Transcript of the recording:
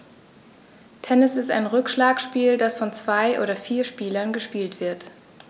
Tennis ist ein Rückschlagspiel, das von zwei oder vier Spielern gespielt wird.